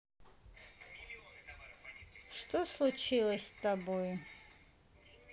что случилось с тобой